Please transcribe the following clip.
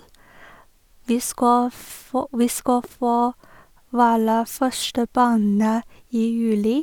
vi skal få Vi skal få våre første barnet i juli.